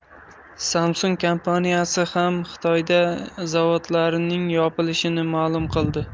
samsung kompaniyasi ham xitoyda zavodlarning yopilishini ma'lum qildi